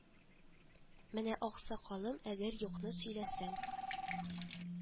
Менә ак сакалым, әгәр юкны сөйләсәм